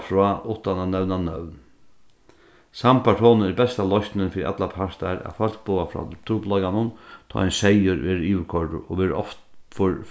frá uttan at nevna nøvn sambært honum er besta loysnin fyri allar partar at fólk boða frá tá ein seyður verður yvirkoyrdur